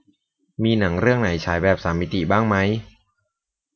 มีหนังเรื่องไหนฉายแบบสามมิติบ้างมั้ย